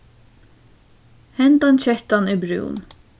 hendan kettan er brún